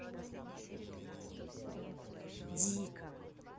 дико